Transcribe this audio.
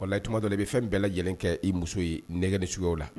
O tuntuma dɔ de bɛ fɛn bɛɛ lajɛlen kɛ i muso ye nɛgɛ ni sugu la